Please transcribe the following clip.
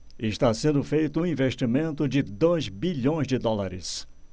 está sendo feito um investimento de dois bilhões de dólares